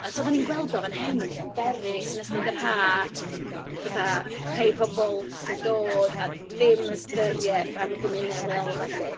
A tibod oedden ni'n gweld o fan hyn, yn Llanberis, yn ystod yr haf, fatha rhai pobl jyst yn dod a dim ystyriaeth am y gymuned leol, felly.